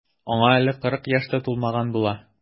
Аңа әле кырык яшь тә тулмаган була.